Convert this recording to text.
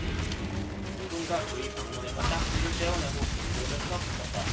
누군가 그의 방문에서 딱지를 떼어내고 근조를 써 붙였다